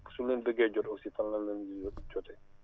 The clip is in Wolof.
su ñu leen bëggee jot aussi fan la ñu leen di jotee